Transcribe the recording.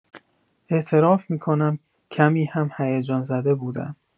اعتراف می‌کنم کمی هم هیجان‌زده بودم.